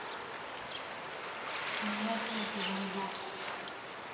меня пиздили идут